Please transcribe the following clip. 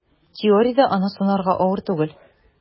Теориядә аны санарга авыр түгел: